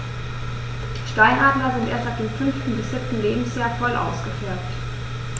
Steinadler sind erst ab dem 5. bis 7. Lebensjahr voll ausgefärbt.